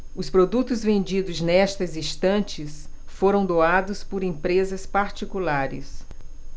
os produtos vendidos nestas estantes foram doados por empresas particulares